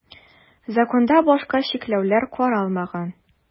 Законда башка чикләүләр каралмаган.